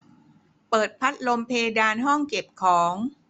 เปิดพัดลมเพดานห้องเก็บของ